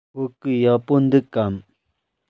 བོད གོས ཡག པོ འདུག གམ